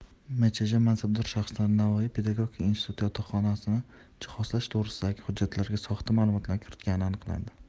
mchj mansabdor shaxslari navoiy pedagogika instituti yotoqxonasini jihozlash to'g'risidagi hujjatlarga soxta ma'lumotlar kiritgani aniqlandi